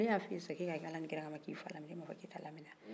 ne y'a f'i ye sisan k'e ka kɛ ala ni kira kama k'i fa laminɛ e ma fɔ k'i ta laminɛ